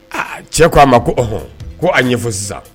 Aa cɛ ko aa ma ko ɔhɔn ko a ɲɛfɔ sisan